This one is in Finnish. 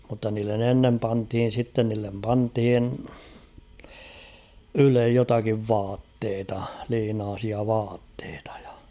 mutta niille ennen pantiin sitten niille pantiin ylle jotakin vaatteita liinaisia vaatteita ja